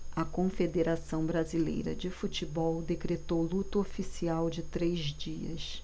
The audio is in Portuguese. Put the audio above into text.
a confederação brasileira de futebol decretou luto oficial de três dias